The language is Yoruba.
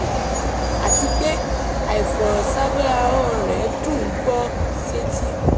Àwọn ènìyàn fẹ́ràn-an ìhùwàsí alágídíi rẹ̀ àti pé àìfọ̀rọ̀ sábẹ́ ahọ́n-ọn rẹ̀ dùn ún gbọ́ sétí.